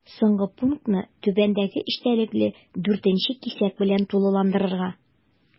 Соңгы пунктны түбәндәге эчтәлекле 4 нче кисәк белән тулыландырырга.